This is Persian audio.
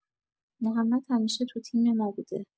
محمد همیشه تو تیم ما بوده.